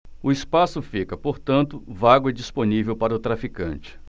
o espaço fica portanto vago e disponível para o traficante